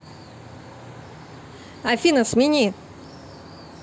афина смени